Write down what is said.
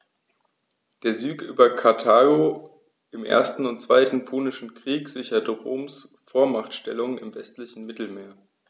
Der Sieg über Karthago im 1. und 2. Punischen Krieg sicherte Roms Vormachtstellung im westlichen Mittelmeer.